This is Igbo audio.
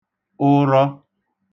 ụrọ